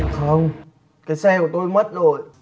không cái xe của tôi mất rồi